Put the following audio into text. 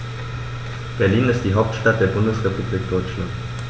Berlin ist die Hauptstadt der Bundesrepublik Deutschland.